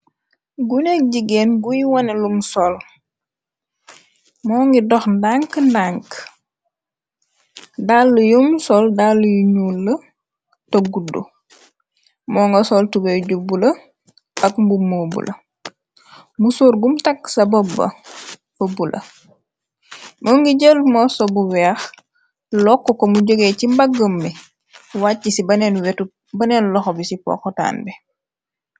Guneek jigéen guy wone lum sol, moo ngi dox ndank ndank, dallu yum sol dallu yu nuu la, te guddu, moo nga sol tugey jubbula, ak mbummoo bu la, mu sorgum tagg sa bobba, fobbu la, moo ngi jël moo so bu weex, lokk ko mu joge ci mbaggam mi, wàcc ci bneen wetu beneen loxo bi ci poxotaanbe.